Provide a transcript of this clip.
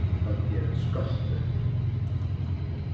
høvdið er ein skøltur